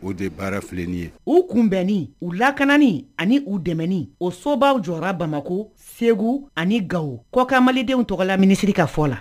O de baarafilenini ye u kunbɛnnen u lakani ani u dɛmɛ o so baw jɔ bamakɔ segu ani gawo kɔkan malidenw tɔgɔla minisiri ka fɔ la